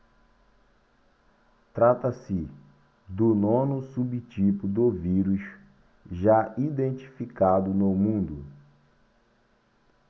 trata-se do nono subtipo do vírus já identificado no mundo